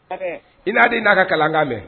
I n'a di i na ka kalankan mɛn